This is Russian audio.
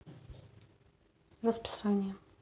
расписание